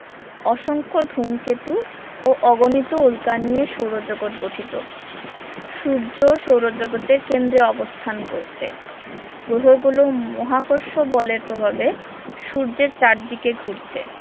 অসংখ্য ধুমকেতু ও অগণিত উল্কা নিয়ে সৌরজগৎ গঠিত সূর্য সৌরজগতের কেন্দ্রে অবস্থান করছে গ্রহগুলো মহাকর্ষ বলের প্রভাবে সূর্যের চারদিকে ঘুরছে